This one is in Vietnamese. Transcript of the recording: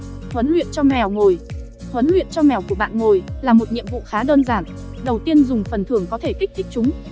huấn luyện cho mèo ngồi huấn luyện cho mèo của bạn ngồi là một nhiệm vụ khá đơn giản đầu tiên dùng phần thưởng có thể kích thích chúng